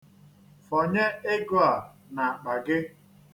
Fọnye ego a n'akpa gị.